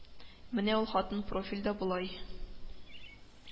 Менә ул хатын профильдә болай